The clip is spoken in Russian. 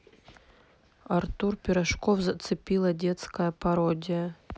артур пирожков зацепила детская пародия